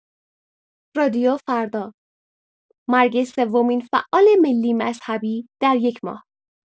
رادیو فردا: مرگ سومین فعال ملی-مذهبی در یک ماه!